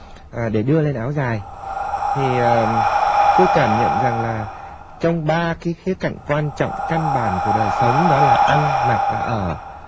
à để đưa lên áo dài thì à tôi cảm nhận rằng là trong ba cái khía cạnh quan trọng căn bản của đời sống đã là ăn mặc và ở